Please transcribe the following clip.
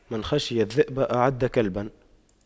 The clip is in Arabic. من خشى الذئب أعد كلبا